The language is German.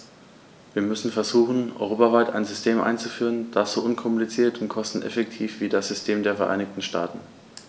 Wir müssen versuchen, europaweit ein System einzuführen, das so unkompliziert und kosteneffektiv ist wie das System der Vereinigten Staaten.